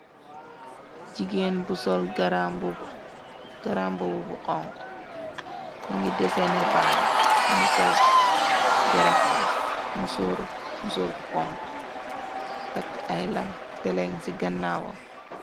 Jigeen bu sol garambub bu xonk ni ngi desene baat bi ni sol gerefas. Mu sol xonq takk ay lam teleŋ ci gannawa.